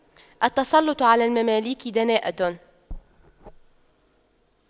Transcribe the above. التسلُّطُ على المماليك دناءة